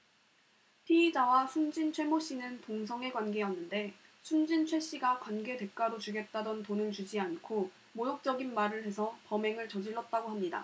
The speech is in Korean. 피의자와 숨진 최 모씨는 동성애 관계였는데 숨진 최씨가 관계 대가로 주겠다던 돈을 주지 않고 모욕적인 말을 해서 범행을 저질렀다고 합니다